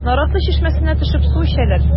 Наратлы чишмәсенә төшеп су эчәләр.